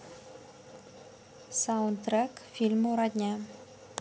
саундтрек к фильму родня